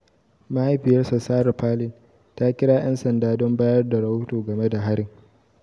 Mahaifiyarsa, Sarah Palin, ta kira 'yan sanda don bayar da rahoto game da harin.